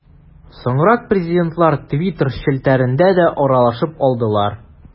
Соңрак президентлар Twitter челтәрендә дә аралашып алдылар.